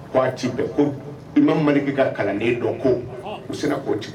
Bɛɛ ko i ma mali bɛ ka kalanden dɔn ko u sera ko tigɛ